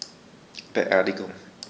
Beerdigung